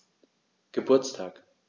Geburtstag